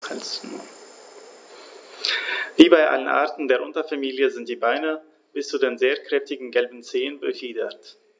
Wie bei allen Arten der Unterfamilie sind die Beine bis zu den sehr kräftigen gelben Zehen befiedert.